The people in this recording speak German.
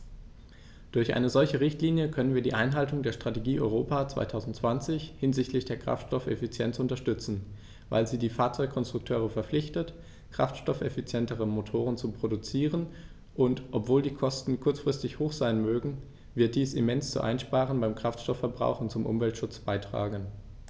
Durch eine solche Richtlinie können wir die Einhaltung der Strategie Europa 2020 hinsichtlich der Kraftstoffeffizienz unterstützen, weil sie die Fahrzeugkonstrukteure verpflichtet, kraftstoffeffizientere Motoren zu produzieren, und obwohl die Kosten kurzfristig hoch sein mögen, wird dies immens zu Einsparungen beim Kraftstoffverbrauch und zum Umweltschutz beitragen.